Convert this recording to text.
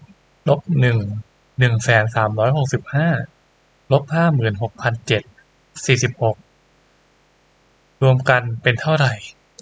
ลบหนึ่งหนึ่งแสนสามร้อยหกสิบห้าลบห้าหมื่นหกพันเจ็ดสี่สิบหกรวมกันเป็นเท่าไหร่